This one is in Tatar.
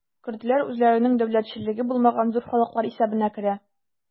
Көрдләр үзләренең дәүләтчелеге булмаган зур халыклар исәбенә керә.